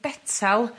betal